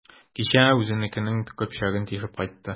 Кичә үзенекенең көпчәген тишеп кайтты.